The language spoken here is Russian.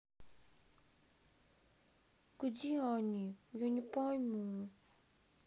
где они я не пойму